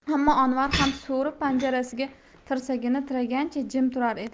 ammo anvar ham so'ri panjarasiga tirsagini tiragancha jim turar edi